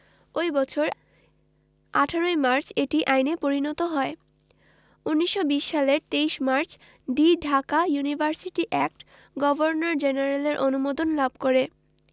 ওই বছর ১৮ মার্চ এটি আইনে পরিণত হয় ১৯২০ সালের ২৩ March the Dhaka university act governor জেনারেলের অনুমোদন লাভ করে